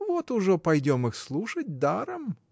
Вот ужо пойдем их слушать даром.